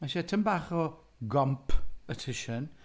Mae eisiau tamaid bach o gompetion...